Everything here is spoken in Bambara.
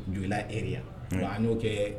Juguya ere an n'o kɛ